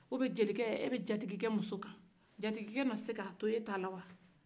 u biyɛn jelikɛ e bɛ jatigikɛ muso kan jatigikɛ na se ka ko kɛ e ye wa